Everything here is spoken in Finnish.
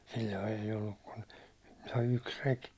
silloin ei ollut kuin tuo yksi reki